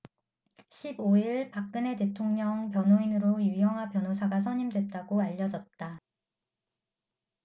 십 오 일 박근혜 대통령 변호인으로 유영하 변호사가 선임됐다고 알려졌다